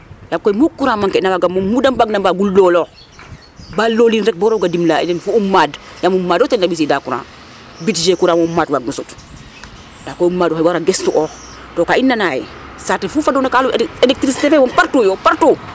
Yaag koy mu courant manquer na mu da mbaagna looloox ba loolin rek bo roog a dimle a in fo o maad yaam a maad o ten na ɓisiidaa courant budjet courant moom o maad waagun o sut ndaa koy o maad oxe wara gestu'oox to ka i nanaa yee saate fu fadoona ka électricité fe moom partout yo partout .